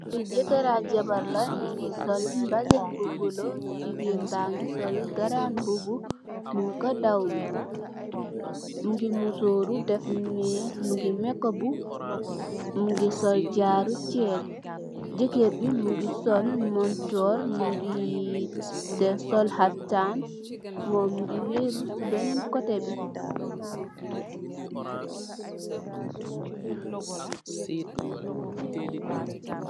Fi jakar ak jabar la, nyingi sol mbasen bu bula, jigeen ba ngi sol garambubu, mung ko dawme, mingi musooru, def meesu, mingi mekobu, mingi sol jaaru, ceen, jigeen bi mingi montor, mingi sol xaftaan, mom mingi weru si beneen kote bi.